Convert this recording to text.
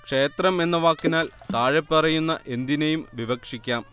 ക്ഷേത്രം എന്ന വാക്കിനാൽ താഴെപ്പറയുന്ന എന്തിനേയും വിവക്ഷിക്കാം